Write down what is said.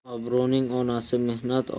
obro'ning onasi mehnat